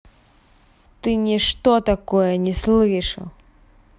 ты не долбоеб что такое не слышал